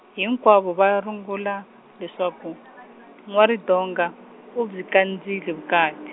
hinkwavo va rungula, leswaku, N'wa Ridonga, u byi kandzile vukati.